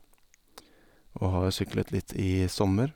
Og har syklet litt i sommer.